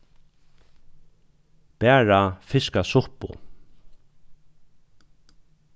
bara fiskasuppu